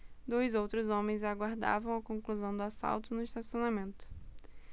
dois outros homens aguardavam a conclusão do assalto no estacionamento